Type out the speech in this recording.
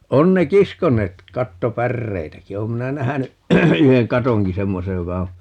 on ne kiskoneet kattopäreitäkin olen minä nähnyt yhden katonkin semmoisen joka on